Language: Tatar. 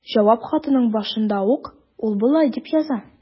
Җавап хатының башында ук ул болай дип яза.